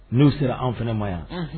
N'u sera an fana ma yan